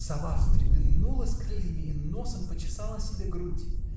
— Сова встрепенулась крыльями и носом почесала себе грудь.